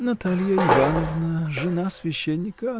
— Наталья Ивановна, жена священника.